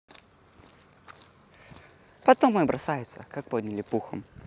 потом мой бросается как подняли пухом